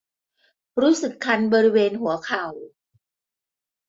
รู้สึกคันบริเวณหัวเข่า